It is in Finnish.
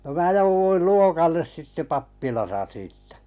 no minä jouduin luokalle sitten pappilassa siitä